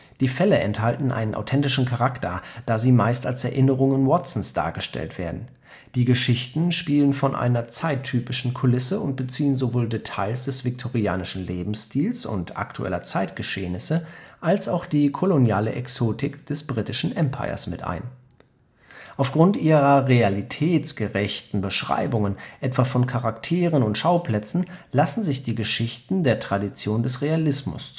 Die Fälle erhalten einen authentischen Charakter, da sie meist als Erinnerungen Watsons dargestellt werden. Die Geschichten spielen vor einer zeittypischen Kulisse und beziehen sowohl Details des viktorianischen Lebensstils und aktueller Zeitereignisse als auch die koloniale Exotik des Britischen Empires mit ein. Aufgrund ihrer realitätsgerechten Beschreibungen, etwa von Charakteren und Schauplätzen, lassen sich die Geschichten der Tradition des Realismus